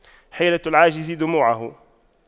حيلة العاجز دموعه